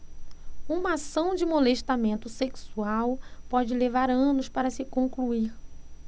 uma ação de molestamento sexual pode levar anos para se concluir